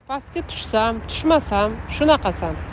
pastga tushsam tushmasam shunaqasan